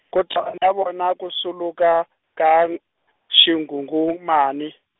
kutani a vona ku swuluka, ka, Xinghunghumani.